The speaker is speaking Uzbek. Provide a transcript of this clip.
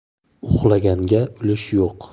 uxlaganga ulush yo'q